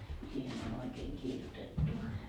siihen on oikein kirjoitettu